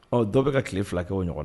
Ɔ dɔw bɛ ka tile fila kɛ o ɲɔgɔn na